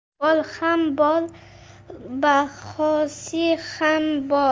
bol ham bol bahosi ham bol